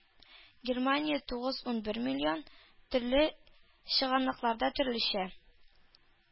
Германия тугыз-унбер миллион төрле чыганакларда төрлечә